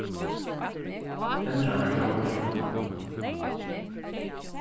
tendra mær sjónvarpið